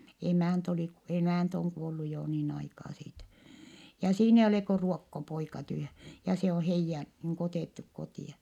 emäntä oli - emäntä on kuollut jo niin aikaa siitä ja siinä ei ole kuin ruokkopoika tyhjän ja se on heidän niin kuin otettu kotia